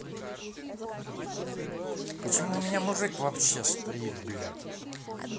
почему у меня мужик вообще стоит блядь